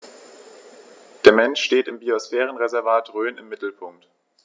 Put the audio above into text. Der Mensch steht im Biosphärenreservat Rhön im Mittelpunkt.